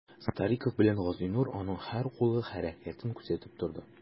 Стариков белән Газинур аның һәр кул хәрәкәтен күзәтеп тордылар.